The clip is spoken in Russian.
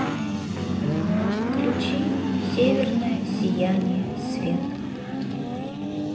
включи северное сияние свет